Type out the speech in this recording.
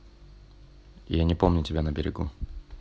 я не помню тебя на берегу